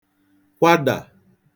kwadà